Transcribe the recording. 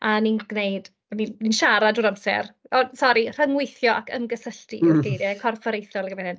A ni'n gwneud... ni ni'n siarad drwy'r amser o sori, rhyngweitho ac ymgysylltu yw'r geiriau corfforaethol ar gyfer hyn.